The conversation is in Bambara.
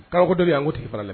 Ko don an ko tigi fara